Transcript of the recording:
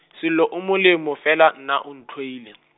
Sello o molemo fela nna o ntlhoile.